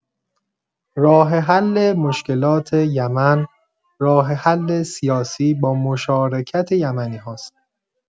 راه‌حل مشکلات یمن، راه‌حل سیاسی با مشارکت یمنی هاست.